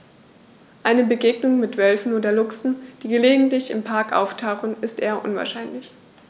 Eine Begegnung mit Wölfen oder Luchsen, die gelegentlich im Park auftauchen, ist eher unwahrscheinlich.